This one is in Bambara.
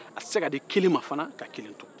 a tɛ se ka di kelen ma fana ka kelen